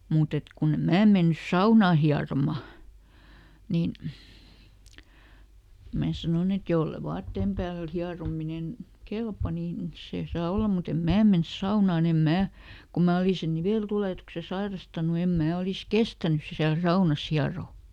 mutta että kun en minä mennyt saunaan hieromaan niin minä sanoin että jos ei vaatteen päältä hierominen kelpaa niin se saa olla mutta en minä mene saunaan en minä kun minä olin sen niveltulehduksen sairastanut en minä olisi kestänyt siellä saunassa hieroa